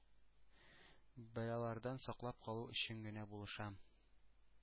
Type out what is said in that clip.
Бәлаләрдән саклап калу өчен генә булышам.